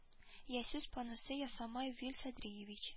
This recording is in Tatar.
Йә сүз паносы ясама вил садриевич